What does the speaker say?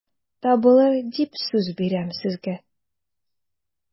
Табылыр дип сүз бирәм сезгә...